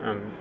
amine